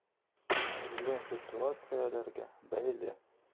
Төрле ситуацияләргә бәйле.